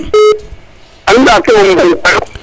andim ndaf ndaf ke ka mbañ teloyo